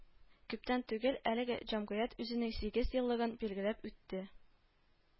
Күптән түгел әлеге җәмгыять үзенең сигез еллыгын билгеләп үтте